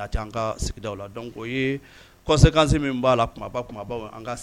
Sɛgɛ ganse min b'a la